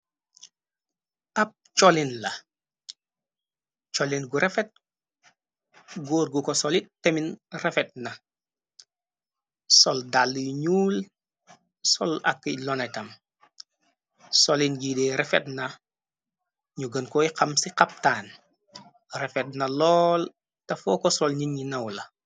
Ap cholin la, cholin gu refet. Góorgu ko solit tamit refet na. Sol dàlli yu ñuul sol ak loonitam, solin jiide refet na, ñu gen koy xam ci xabtaan. Refet na lool, tefo ko sol ñit ñi naw la.